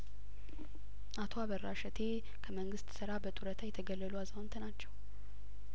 አቶ አበራ እሸቴ ከመንግስት ስራ በጡረታ የተገለሉ አዛውንት ናቸው